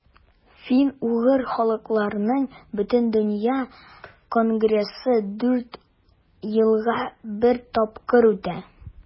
Фин-угыр халыкларының Бөтендөнья конгрессы дүрт елга бер тапкыр үтә.